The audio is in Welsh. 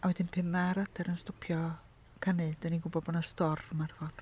A wedyn pan ma'r adar yn stopio canu, dan ni'n gwybod bod 'na storm ar y ffordd.